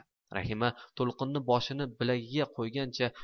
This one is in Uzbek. rahima to'lqinning boshini bilagiga qo'yganicha